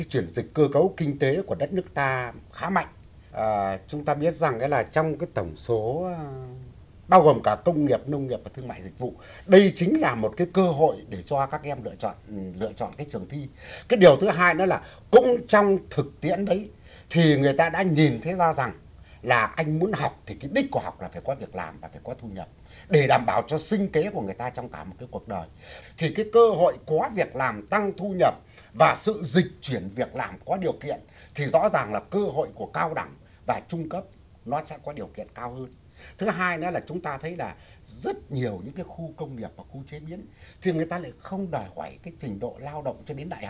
cái chuyển dịch cơ cấu kinh tế của đất nước ta khá mạnh ờ chúng ta biết rằng đó là trong tổng số ơ bao gồm cả công nghiệp nông nghiệp và thương mại dịch vụ đây chính là một cái cơ hội để cho các em lựa chọn ờ lựa chọn các trường thi cái điều thứ hai nữa là cũng trong thực tiễn đấy thì người ta đã nhìn thấy ra rằng là anh muốn học thì cái đích của học là phải có việc làm là phải có thu nhập để đảm bảo cho sinh kế của người ta trong cả một cái cuộc đời thì cái cơ hội có việc làm tăng thu nhập và sự dịch chuyển việc làm có điều kiện thì rõ ràng là cơ hội của cao đẳng và trung cấp nó sẽ có điều kiện cao hơn thứ hai nữa là chúng ta thấy là rất nhiều những cái khu công nghiệp khu chế biến thì người ta lại không đòi hỏi cách trình độ lao động cho đến đại